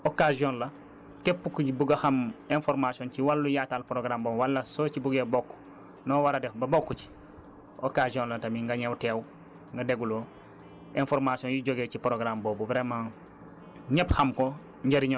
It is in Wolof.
moo tax question yooyu noonu jour boobu occasion la képp ku bugg a xam information ci wàllu yaatal programme boobu wala soo ci bëggee bokk noo war a def ba bokk ci occasion la tamit nga ñëw teew nga déglu information yi jógee ci programme boobu